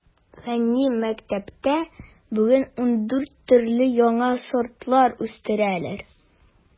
Фәнни мәктәптә бүген ундүрт төрле яңа сортлар үстерәләр.